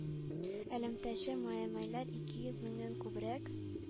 Элемтәче маэмайлар ике йөз меңнән күбрәк